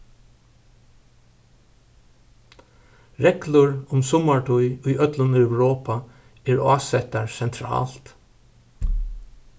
reglur um summartíð í øllum europa eru ásettar sentralt